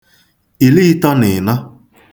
ìii ịtọ nà ị̀nọ